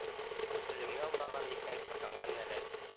Сүземне алмаган икән атаңа нәләт